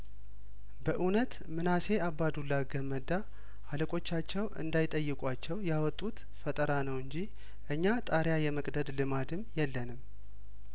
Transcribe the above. በእውነት ምናሴ አባዱላ ገመዳ አለቆቻቸው እንዳይጠይቋቸው ያወጡት ፈጠራ ነው እንጂ እኛ ጣሪያ የመቅደድ ልማድም የለንም